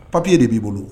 Papiye de b'i bolo